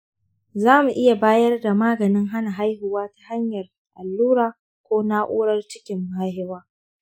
za mu iya bayar da maganin hana haihuwa ta hanyar, allura, ko na’urar cikin mahaifa.